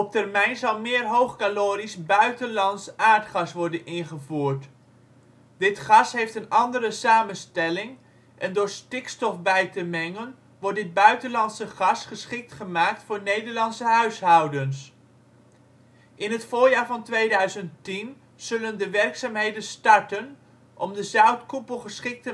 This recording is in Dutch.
termijn zal meer hoogcalorisch buitenlands aardgas worden ingevoerd. Dit gas heeft een andere samenstelling en door stikstof bij te mengen wordt dit buitenlandse gas geschikt gemaakt voor Nederlandse huishoudens. In het voorjaar van 2010 zullen de werkzaamheden starten om de zoutkoepel geschikt